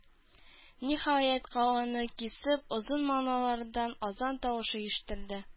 Ниһаять, һаваны кисеп озын манаралардан азан тавышы ишетелде.